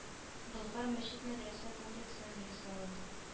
Болгар мәчет-мәдрәсә комплексына нигез салынды